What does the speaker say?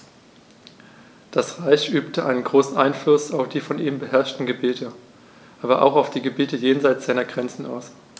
Das Reich übte einen großen Einfluss auf die von ihm beherrschten Gebiete, aber auch auf die Gebiete jenseits seiner Grenzen aus.